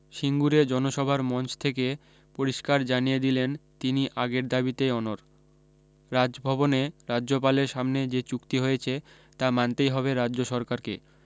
সিঙ্গুরে জনসভার মঞ্চ থেকে পরিষ্কার জানিয়ে দিলেন তিনি আগের দাবিতেই অনড় রাজভবনে রাজ্যপালের সামনে যে চুক্তিহয়েছে তা মানতেই হবে রাজ্য সরকারকে